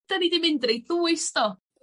'Dyn ni 'di mynd reit dwys do?